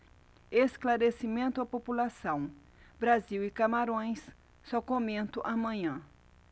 esclarecimento à população brasil e camarões só comento amanhã